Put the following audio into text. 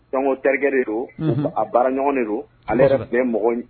Dɔnkuɔn terikɛ de don a baara ɲɔgɔn de don ale yɛrɛ bɛ mɔgɔin